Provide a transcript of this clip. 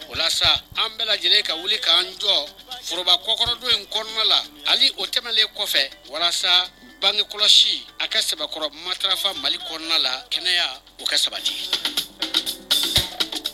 Walasa an bɛɛ lajɛlen ka wuli k'an jɔ foroba kɔkɔrɔ don in kɔnɔna la hali o tɛmɛnenlen kɔfɛ walasa ban kɔlɔsi a ka sabakɔrɔ matafa mali kɔnɔna la kɛnɛya o kɛ saba di ye